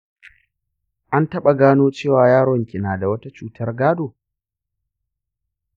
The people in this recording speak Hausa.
an taɓa gano cewa yaron ki na da wata cutar gado?